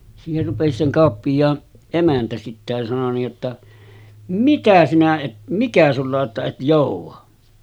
siihen rupesi se kauppiaan emäntä sitten ja sanoi niin jotta mikä sinä et mikä sinulla on että et jouda